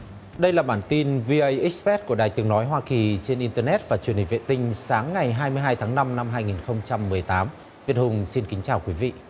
đây là bản tin vi ây ích rét của đài tiếng nói hoa kỳ trên in tơ nét và truyền hình vệ tinh sáng ngày hai mươi hai tháng năm năm hai nghìn không trăm mười tám việt hùng xin kính chào quý vị